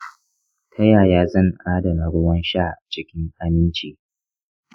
ta yaya zan adana ruwan sha cikin aminci?